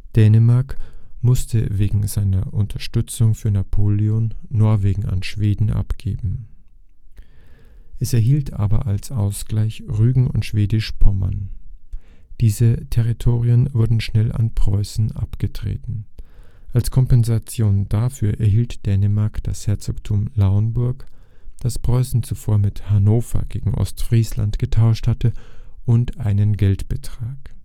Dänemark musste wegen seiner Unterstützung für Napoleon Norwegen an Schweden abgeben (→ Kieler Frieden). Es erhielt aber als Ausgleich Rügen und Schwedisch-Pommern. Diese Territorien wurden schnell an Preußen abgetreten. Als Kompensation dafür erhielt Dänemark das Herzogtum Lauenburg (das Preußen zuvor mit Hannover gegen Ostfriesland getauscht hatte) und einen Geldbetrag